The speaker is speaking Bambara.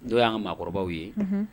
N'o y'an maakɔrɔbaw ye